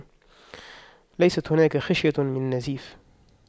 ليست هناك خشية من نزيف